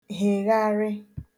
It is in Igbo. hègharị